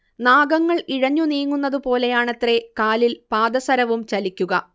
നാഗങ്ങൾ ഇഴഞ്ഞുനീങ്ങുന്നത് പോലെയാണത്രെ കാലിൽ പാദസരവും ചലിക്കുക